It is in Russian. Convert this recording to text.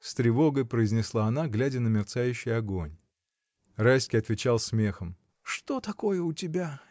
— с тревогой произнесла она, глядя на мерцающий огонь. Райский отвечал смехом. — Что такое у тебя?